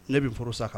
Ne bɛ foro sa kan